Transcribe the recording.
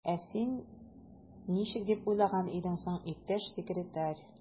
Ә син ничек дип уйлаган идең соң, иптәш секретарь?